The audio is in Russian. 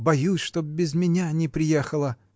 боюсь, чтоб без меня не приехала.